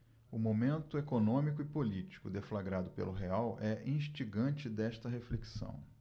o momento econômico e político deflagrado pelo real é instigante desta reflexão